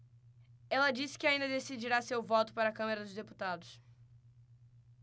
ela disse que ainda decidirá seu voto para a câmara dos deputados